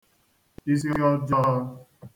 isi ọjọō